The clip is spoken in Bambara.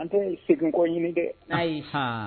An tɛ seginko ɲini dɛ ayi h